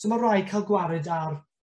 so ma' rai' ca'l gwared ar